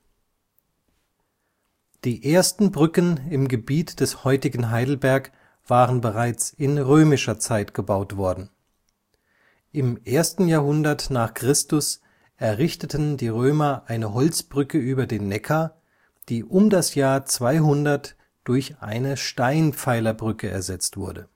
Die ersten Brücken im Gebiet des heutigen Heidelberg waren bereits in römischer Zeit gebaut worden: Im 1. Jahrhundert n. Chr. errichteten die Römer eine Holzbrücke über den Neckar, die um das Jahr 200 durch eine Steinpfeilerbrücke ersetzt wurde